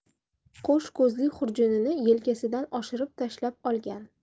qo'sh ko'zli xurjunini yelkasidan oshirib tashlab olgan